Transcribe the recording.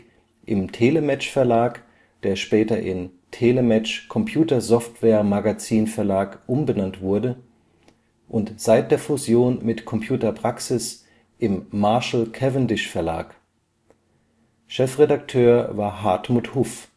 im TeleMatch Verlag, der später in TeleMatch Computer Software Magazin Verlag umbenannt wurde, und seit der Fusion mit Computer Praxis im Marshall Cavendish Verlag. Chefredakteur war Hartmut Huff